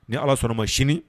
Ni ala sɔnna ma sini